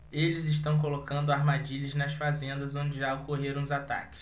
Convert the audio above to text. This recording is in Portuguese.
eles estão colocando armadilhas nas fazendas onde já ocorreram os ataques